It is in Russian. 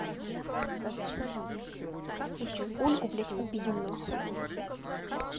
я сейчас ольгу блядь убью нахуй